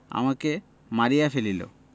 আমাকে মারিয়া ফেলিল